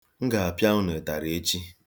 M ga-apịa unu ụtarị echi.